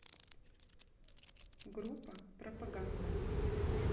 группа пропаганда